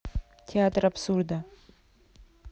театр абсурда